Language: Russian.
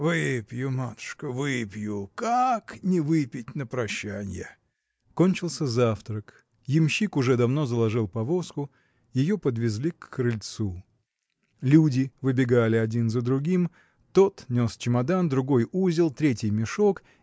– Выпью, матушка, выпью, как не выпить на прощанье! Кончился завтрак. Ямщик уже давно заложил повозку. Ее подвезли к крыльцу. Люди выбегали один за другим. Тот нес чемодан другой – узел третий – мешок